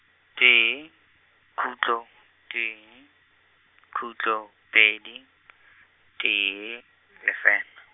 tee, khutlo, tee, khutlo, pedi, tee, lefela.